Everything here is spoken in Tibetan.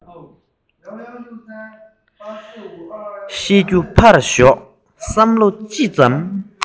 ཤེས རྒྱུ ཕར ཞོག བསམ བློ ཅི ཙམ